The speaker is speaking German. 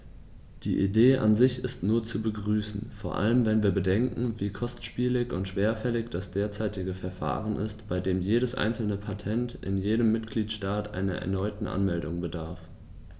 Die Idee an sich ist nur zu begrüßen, vor allem wenn wir bedenken, wie kostspielig und schwerfällig das derzeitige Verfahren ist, bei dem jedes einzelne Patent in jedem Mitgliedstaat einer erneuten Anmeldung bedarf.